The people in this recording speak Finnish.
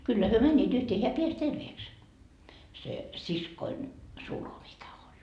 kyllä he menivät yhteen hän pääsi terveeksi se siskoni sulho mikä oli